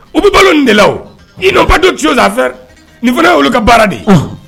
U bɛ balo de i dɔba don fɛ nin ko ne olu kɛ baara de ye